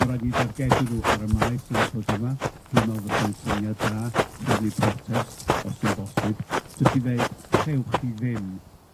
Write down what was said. Ma' raid i ni dargedu nw ar y maes yn yr wthnos yma, dwi'n me'wl fysa fo'n syniad da trefnu protest, os 'di o'n bosib jyst i ddeud, chewch chi ddim